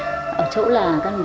ở chỗ là